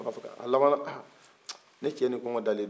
a labana aa ne cɛ ni kɔngɔ dalen do